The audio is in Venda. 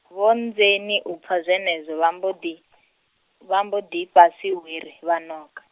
Vho Nnzeni u pfa zwenezwo vha mbo ḓi, vha mbo ḓi fhasi hwiri vha ṋoka.